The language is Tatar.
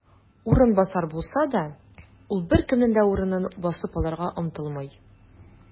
"урынбасар" булса да, ул беркемнең дә урынын басып алырга омтылмый.